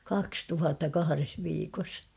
kaksi tuhatta kahdessa viikossa